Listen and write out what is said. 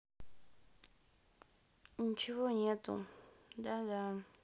ничего нету да да